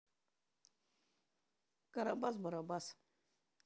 карабас барабас